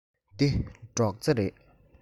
འདི སྒྲོག རྩེ རེད